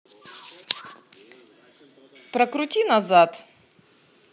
прокрути назад